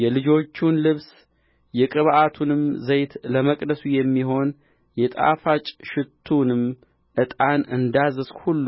የልጆቹን ልብስ የቅብዓቱንም ዘይት ለመቅደሱ የሚሆን የጣፋጭ ሽቱውንም ዕጣን እንዳዘዝሁህ ሁሉ